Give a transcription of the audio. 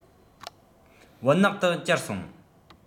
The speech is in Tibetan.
བུན ནག ཏུ གྱུར སོང